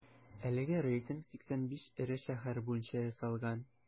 Әлеге рейтинг 85 эре шәһәр буенча ясалган.